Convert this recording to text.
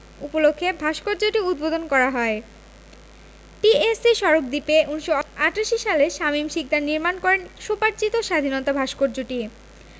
উপলক্ষে ভাস্কর্যটি উদ্বোধন করা হয় টিএসসি সড়ক দ্বীপে ১৯৮৮ সালে শামীম শিকদার নির্মাণ করেন স্বোপার্জিত স্বাধীনতা ভাস্কর্যটি